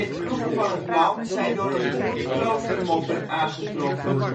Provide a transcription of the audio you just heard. ploegen van het land zijn door een boer kloostermoppen aangetroffen